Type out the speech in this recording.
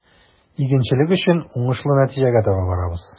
Игенчелек өчен уңышлы нәтиҗәгә таба барабыз.